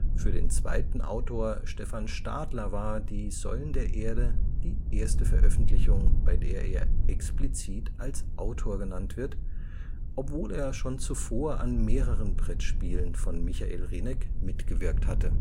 Für den zweiten Autor Stefan Stadler war Die Säulen der Erde die erste Veröffentlichung, bei der er explizit als Autor genannt wird, obwohl er schon zuvor an mehreren Brettspielen von Michael Rieneck mitgewirkt hatte